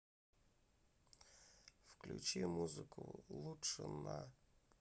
включи музыку лучше на